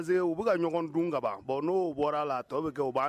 U ɲɔgɔn dun ban n'o bɔra la tɔw bɛ kɛ